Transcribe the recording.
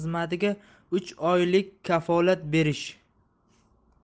xizmatiga uch oylik kafolat berish